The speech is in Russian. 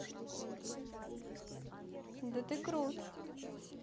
да ты крут